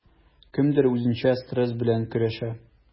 Кемдер үзенчә стресс белән көрәшә.